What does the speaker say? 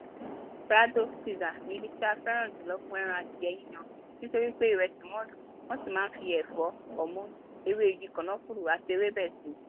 Brador Pizza ni ibi tí a fẹ́ràn júlọ fún ẹran adìẹ yíyan nítorí pé ìrẹsì wọn dùn, wọ́n sì máa ń fi ẹ̀fọ́, ọ̀múnú ewé igi kànáńfùrù àti ewébẹ̀ síi